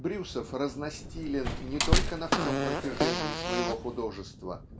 Брюсов разностилен не только на всем протяжении своего художества